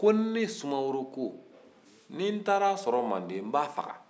ko ne sumaworo ko ne n taara sɔrɔ manden a b'a faga